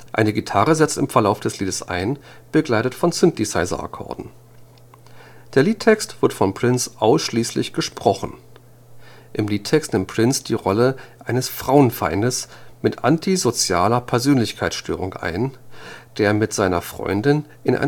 Eine Gitarre setzt im Verlauf des Liedes ein, begleitet von Synthesizer-Akkorden. Der Liedtext wird von Prince ausschließlich gesprochen. Im Liedtext nimmt Prince die Rolle eines Frauenfeindes mit antisozialer Persönlichkeitsstörung ein, der mit seiner Freundin in